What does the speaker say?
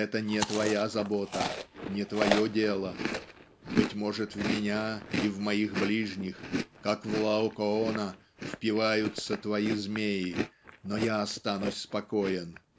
это не твоя забота, не твое дело. Быть может в меня и в моих ближних как в Лаокоона впиваются твои змеи но я останусь спокоен